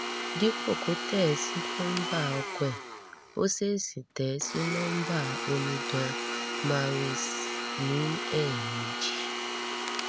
Dípò kó tẹ̀ ẹ́ sí nọ́ḿbà ọkọ ẹ̀, ó ṣèṣì tẹ̀ ẹ́ sí nọ́ḿbà Omidan Maurice ní èèmejì.